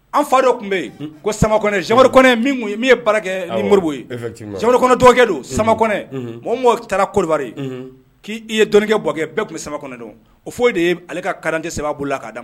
An fa dɔ tun bɛ yen ko sama kɔnɛ sabari kɔnɛ min ye min ye baarakɛ mori ye sari dɔgɔkɛ don sama kɔnɛ oo taara ko kulubali k'i ye dɔnnikɛ bɔkɛ bɛɛ tun bɛ samaɛdɔ o de ye ale ka kalanden saba bolo la k'a da ma